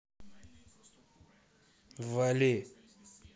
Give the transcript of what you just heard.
вали